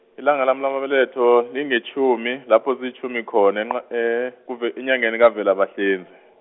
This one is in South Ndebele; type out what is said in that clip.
ilanga lami lamabeletho, lingetjhumi lapho zilitjhumi khona enqwa- kuve- enyangeni kaVela bahlinze.